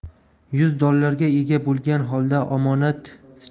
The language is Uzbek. yuz dollarga ega bo'lgan